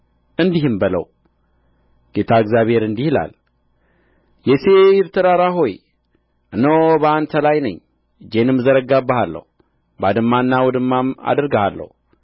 እንዲህም በለው ጌታ እግዚአብሔር እንዲህ ይላል የሴይር ተራራ ሆይ እነሆ በአንተ ላይ ነኝ እጄንም እዘረጋብሃለሁ ባድማና ውድማም አደርግሃለሁ